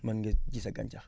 mën nga ji sa gàncax